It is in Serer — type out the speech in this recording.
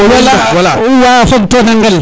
wala wa fog tona ŋel